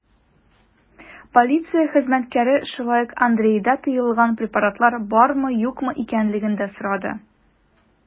Полиция хезмәткәре шулай ук Андрейда тыелган препаратлар бармы-юкмы икәнлеген дә сорады.